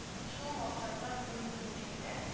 Шул максаттан мөмкинлекләр